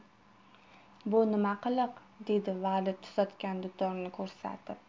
bu nima qiliq dedi vali tuzatgan dutorni ko'rsatib